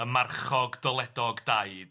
...y marchog dyledog daid.